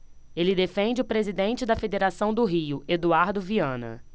ele defende o presidente da federação do rio eduardo viana